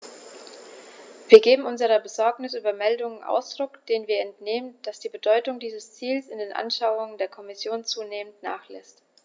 Wir geben unserer Besorgnis über Meldungen Ausdruck, denen wir entnehmen, dass die Bedeutung dieses Ziels in den Anschauungen der Kommission zunehmend nachlässt.